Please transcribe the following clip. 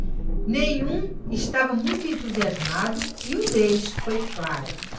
nenhum estava muito entusiasmado e um deles foi claro